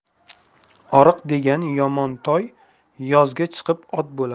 oriq degan yomon toy yozga chiqib ot bo'lar